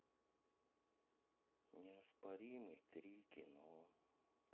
неоспоримый три кино